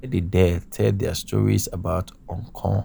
Let the dead tell their stories about Hong Kong